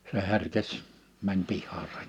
se herkesi meni pihaansa